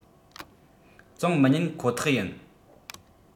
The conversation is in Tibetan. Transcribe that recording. བཙོང མི ཉན ཁོ ཐག ཡིན